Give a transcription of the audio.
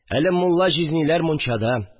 Әле мулла җизниләр мунчада.